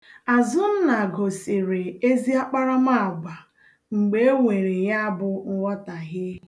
Azụnna gosịrị ezi akparamaagwa mgbe e nwere ya bụ nghọtahie.